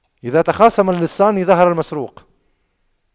إذا تخاصم اللصان ظهر المسروق